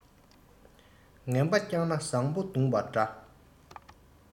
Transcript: ངན པ བསྐྱངས ན བཟང པོ བརྡུངས པ འདྲ